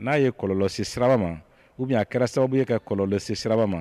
Na ye kɔlɔlɔ se Siraba ma oubien a kɛra sababu ye ka kɔlɔlɔ se Siraba ma